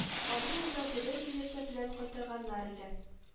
Аны монда бүре билеты белән кайтарганнар икән